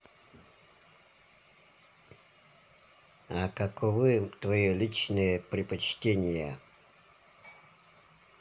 а каковы твои личные предпочтения